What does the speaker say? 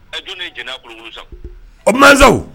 A dunan jɛnɛ sa o masasaw